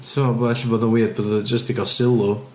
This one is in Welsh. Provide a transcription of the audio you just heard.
Dwi'n teimlo ella bod o'n weird bod o jyst 'di cael sylw.